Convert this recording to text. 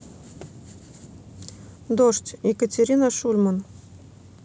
дождь екатерина шульман